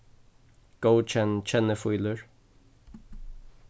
góðkenn kennifílur